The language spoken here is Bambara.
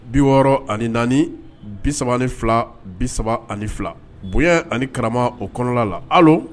Bi wɔɔrɔ ani naani bi3 ni fila bi saba ani fila bonya ani kara o kɔnɔ la hali